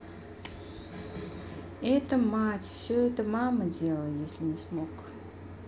это мать все это мама делала если не смог